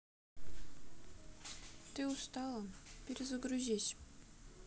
ты устала перезагрузись